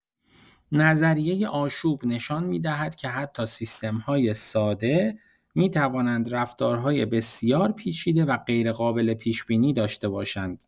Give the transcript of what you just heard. نظریه آشوب نشان می‌دهد که حتی سیستم‌های ساده، می‌توانند رفتارهای بسیار پیچیده و غیرقابل پیش‌بینی داشته باشند.